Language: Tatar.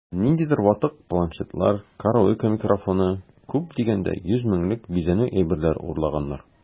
Ниндидер ватык планшетлар, караоке микрофоны(!), күп дигәндә 100 меңлек бизәнү әйберләре урлаганнар...